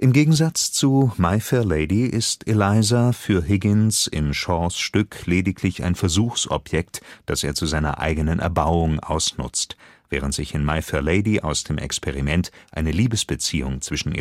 Gegensatz zu My Fair Lady ist Eliza für Higgins in Shaws Stück lediglich ein Versuchsobjekt, das er zu seiner eigenen Erbauung ausnutzt. Während sich in My Fair Lady aus dem Experiment eine Liebesbeziehung zwischen